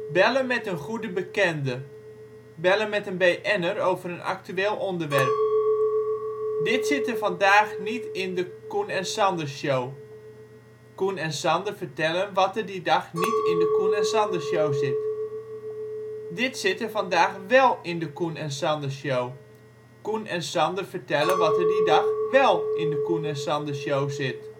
Bellen met een goede bekende (bellen met een BN'er over een actueel onderwerp) Dit zit er vandaag niet in de Coen en Sander Show (Coen en Sander vertellen wat er die dag niet in de Coen en Sander Show zit) Dit zit er vandaag wel in de Coen en Sander Show (Coen en Sander vertellen wat er die dag wel in de Coen en Sander Show zit